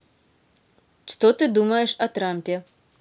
что ты думаешь о трампе